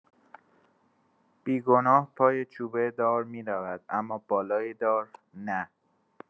بیگناه پای چوبه دار می‌رود، اما بالای دار نه!